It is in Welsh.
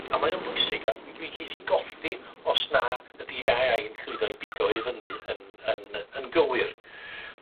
A mae o'n bwysig a mi geith geith hi gothi os na ydi Ay I yn llwyddo i bigo i fyny yn yn yn gywir.